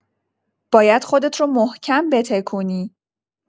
باید خودت رو محکم بتکونی!